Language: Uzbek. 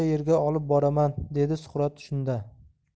yerga olib boraman dedi suqrot shunda